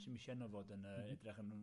Sdim isie nw fod yn yy edrych yn nw...